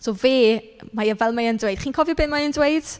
So fe... mae e fel mae e'n dweud... chi'n cofio be mae e'n dweud?